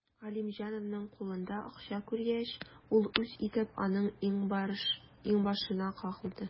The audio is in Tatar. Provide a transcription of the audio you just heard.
Галимҗановның кулында акча күргәч, ул үз итеп аның иңбашына кагылды.